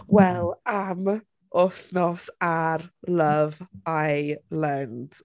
Wel, am wythnos ar Love Island.